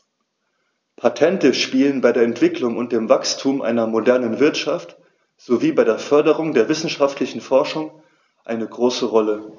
Patente spielen bei der Entwicklung und dem Wachstum einer modernen Wirtschaft sowie bei der Förderung der wissenschaftlichen Forschung eine große Rolle.